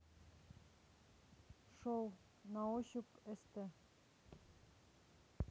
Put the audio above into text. шоу наощупь ст